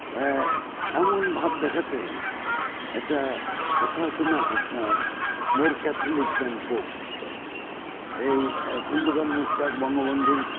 এমন ভাব দেখাতেন একটা কথা আছে না আপনার more Catholic than pope Bangabandhu Khondakar Mushtaq বঙ্গবন্ধুর